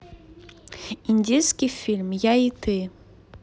индийский фильм я и ты